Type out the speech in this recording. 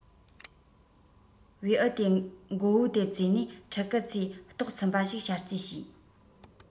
བེའུ དེའི མགོ བོ དེ བཙོས ནས ཕྲུ གུ ཚོའི ལྟོགས ཚིམས པ ཞིག བྱ རྩིས བྱས